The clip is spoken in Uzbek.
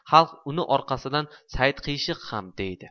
xalq uni orqasidan saidqiyshiq ham deydi